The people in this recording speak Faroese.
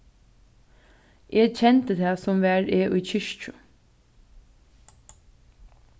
eg kendi tað sum var eg í kirkju